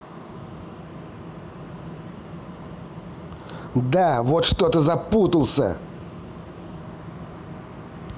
да вот что то запутался